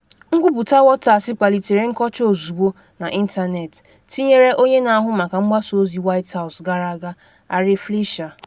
Nkwuputa Waters kpalitere nkọcha ozugbo n’ịntanetị, tinyere onye n’ahụ maka mgbasa ozi White House gara aga Ari Fleischer.